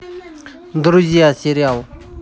друзья сериал